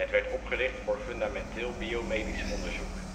werd opgericht voor fundamenteel biomedisch onderzoek